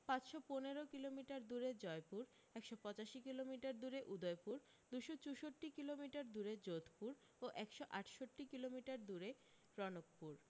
পাঁচশ পনের কিলোমিটার দূরে জয়পুর একশ পঁচাশি কিলোমিটার দূরে উদয়পুর দুশো চুষট্টি কিলোমিটার দূরে যোধপুর ও একশ আটষট্টি কিলোমিটার দূরে রনকপুর